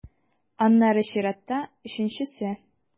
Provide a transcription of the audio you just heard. Аннары чиратта - өченчесе.